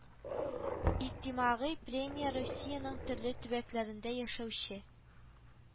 И тимагый премия Русиянең төрле төбәкләрендә яшәүче